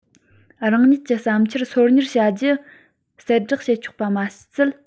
རང ཉིད ཀྱི བསམ འཆར སོར ཉར བྱ རྒྱུའི གསལ བསྒྲགས བྱས ཆོག པ མ ཟད